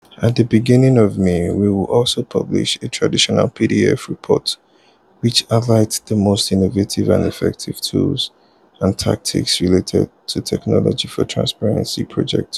At the beginning of May we will also publish a traditional PDF report which highlights the most innovative and effective tools and tactics related to technology for transparency projects.